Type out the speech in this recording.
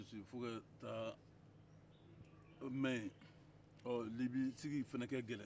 fo ka taa mɛn yen libi sigi fana ka gɛlɛn